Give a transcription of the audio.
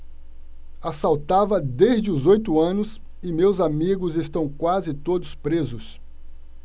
assaltava desde os oito anos e meus amigos estão quase todos presos